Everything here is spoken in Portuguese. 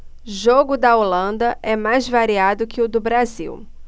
jogo da holanda é mais variado que o do brasil